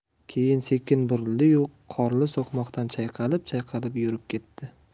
keyin sekin burildiyu qorli so'qmoqdan chayqalib chayqalib yurib ketdi